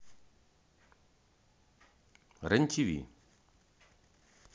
рен ти ви